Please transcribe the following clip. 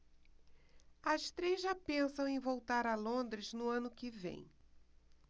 as três já pensam em voltar a londres no ano que vem